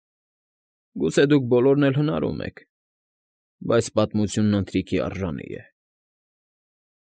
Գուցե դուք բոլորն էլ հնարում եք, բայց պատմությունը ընթրիքի արժանի է։